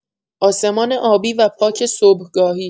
آسمان آبی و پاک صبحگاهی